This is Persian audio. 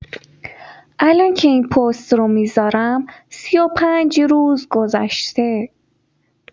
الان که این پست رو میزارم ۳۵ روز گذشته